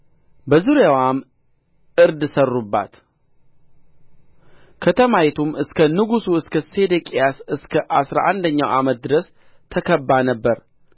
በዙሪያዋም ዕርድ ሠሩባት ከተማይቱም እስከ ንጉሡ እስከ ሴዴቅያስ እስከ አሥራ አንደኛው ዓመት ድረስ ተከብባ ነበር